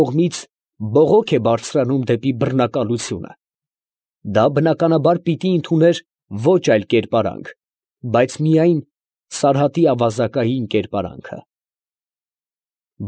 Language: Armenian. Կողմից բողոք է բարձրանում դեպի բռնակալությունը, դա բնականաբար պիտի ընդուներ ոչ այլ կերպարանք, ֊ բայց միայն Սարհատի ավազակային կերպարանքը…։